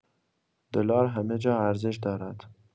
دلار همه جا ارزش دارد.